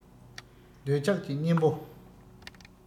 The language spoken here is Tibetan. འདོད ཆགས ཀྱི གཉེན པོ